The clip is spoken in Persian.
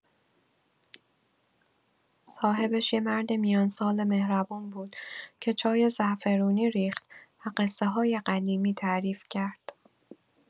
صاحبش یه مرد میان‌سال مهربون بود که چای زعفرونی ریخت و قصه‌های قدیمی تعریف کرد.